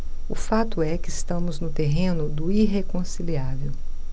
o fato é que estamos no terreno do irreconciliável